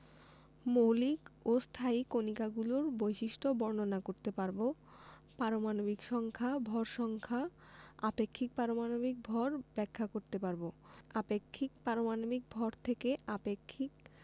মৌলিক ও স্থায়ী কণিকাগুলোর বৈশিষ্ট্য বর্ণনা করতে পারব পারমাণবিক সংখ্যা ভর সংখ্যা আপেক্ষিক পারমাণবিক ভর ব্যাখ্যা করতে পারব আপেক্ষিক পারমাণবিক ভর থেকে আপেক্ষিক